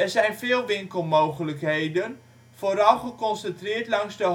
zijn veel winkelmogelijkheden, vooral geconcentreerd langs de Hoofdstraat